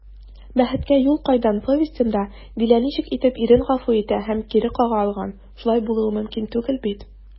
«бәхеткә юл кайдан» повестенда дилә ничек итеп ирен гафу итә һәм кире кага алган, шулай булуы мөмкин түгел бит?»